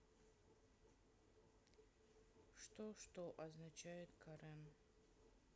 что что означает карен